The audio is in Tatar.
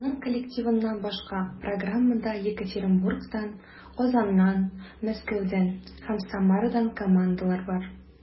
Аның коллективыннан башка, программада Екатеринбургтан, Казаннан, Мәскәүдән һәм Самарадан командалар бар.